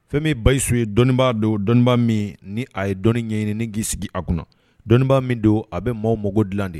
Fɛn min ye Bayisu ye dɔnnibaa don dɔnnibaa min, ni a ye dɔnni ɲɛɲini ni k'i sigi a kunna, dɔnnibaa min don a bɛ maaw mako dilan de.